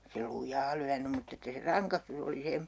se lujaa lyönyt mutta että se rangaistus oli se